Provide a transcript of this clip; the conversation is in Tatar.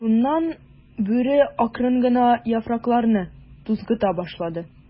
Шуннан Бүре акрын гына яфракларны тузгыта башлады.